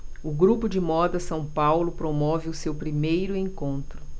o grupo de moda são paulo promove o seu primeiro encontro